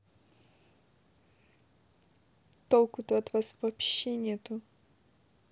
толку то от вас вообще нету